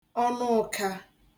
ọnụ ụ̄kā